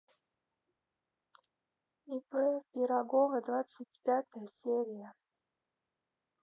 ип пирогова двадцать пятая серия